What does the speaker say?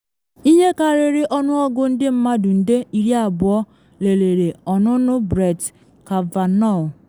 Ihe karịrị ọnụọgụ ndị mmadụ nde 20 lelere ọnụnụ Brett Kavanaugh